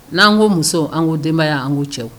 N'an ko musow an ko denbaya y' an ko cɛw